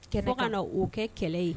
Kɛnɛ kan, fo ka na o kɛ kɛlɛ ye